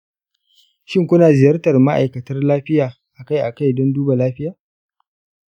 shin kuna ziyartar ma'aikatar lafiya akai-akai don duba lafiya?